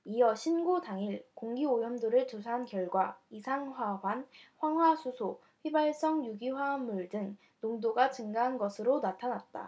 이어 신고 당일 공기오염도를 조사한 결과 이산화황 황화수소 휘발성유기화합물 등 농도가 증가한 것으로 나타났다